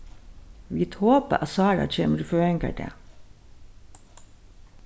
vit hopa at sára kemur í føðingardag